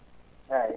eeyi